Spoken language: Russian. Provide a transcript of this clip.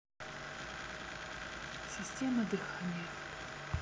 системы дыхания